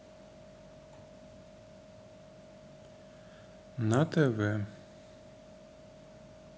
на тв